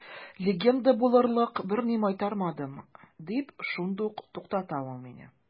Легенда булырлык берни майтармадым, – дип шундук туктата ул мине.